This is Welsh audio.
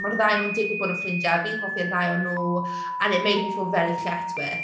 Mae’r ddau o nhw'n digwydd bod yn ffrindiau a fi’n hoffi’r ddau o nhw, and it made me feel very lletchwith.